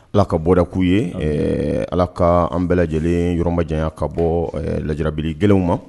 Ala ka bɔda k'u ye; Amina; Ɛɛ Ala ka an bɛɛ lajɛlen yɔrɔ majanya ka bɔ ɛɛ lajarabili gɛlɛnw ma.